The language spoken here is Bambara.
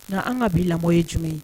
Nka an ka bi lamɔ ye jumɛn ye